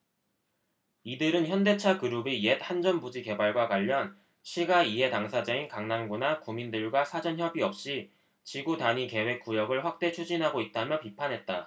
이들은 현대차그룹의 옛 한전부지 개발과 관련 시가 이해당사자인 강남구나 구민들과 사전협의없이 지구단위계획구역을 확대 추진하고 있다며 비판했다